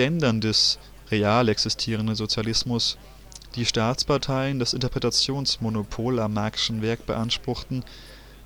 Ländern des „ real existierenden Sozialismus “die Staatsparteien das Interpretationsmonopol am Marxschen Werk beanspruchten,